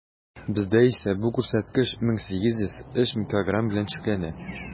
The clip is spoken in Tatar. Бездә исә бу күрсәткеч 1800 - 3000 килограмм белән чикләнә.